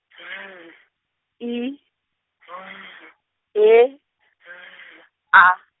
Z, I, V, E, Z, A.